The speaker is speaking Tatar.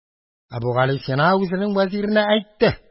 Әбүгалисина үзенең вәзиренә әйтте